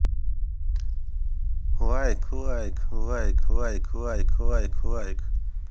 лайк лайк лайклайк лайк лайк лайк лайк